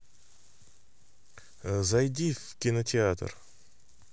зайди в кинотеатр